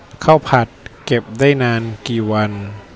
ข้าวผัดเก็บได้นานกี่วัน